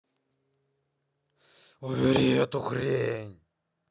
убери эту хрень